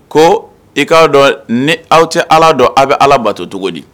Ko i k'a dɔn ni aw tɛ ala dɔn aw bɛ ala bato cogo di